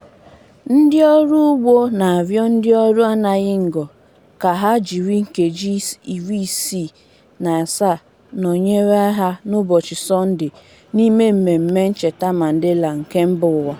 Ndị ọrụugbo na-arịọ ndị ọrụ anaghị ngo ka ha jiri nkeji 67 nọnyere ha n'ụbọchị Sọndee n'ime mmemmé Ncheta Mandela nke Mbaụwa.